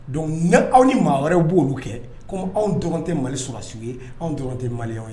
Donc ne aw ni maa wɛrɛw b'oolu kɛ comme anw dɔrɔn tɛ Mali sɔrasiw ye anw dɔrɔn tɛ malien w ye